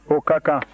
o ka kan